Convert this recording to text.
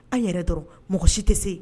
An yɛrɛ dɔrɔn mɔgɔ si tɛ se